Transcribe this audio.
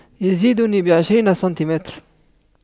يزيدني بعشرين سنتيمتر